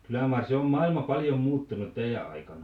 kyllä mar se on maailma paljon muuttunut teidän aikana